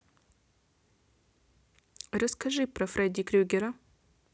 расскажи про фредди крюгера